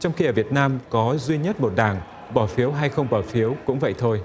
trong khi ở việt nam có duy nhất một đảng bỏ phiếu hay không bỏ phiếu cũng vậy thôi